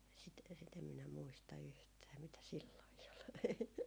sitä sitä en minä muista yhtään mitä silloin oli